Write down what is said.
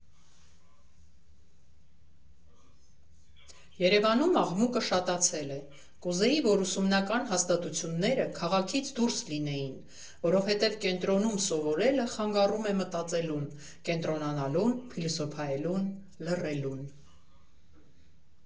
Երևանում աղմուկը շատացել է, կուզեի, որ ուսումնական հաստատությունները քաղաքից դուրս լինեին, որովհետև կենտրոնում սովորելը խանգարում է մտածելուն, կենտրոնանալուն, փիլիսոփայելուն, լռելուն։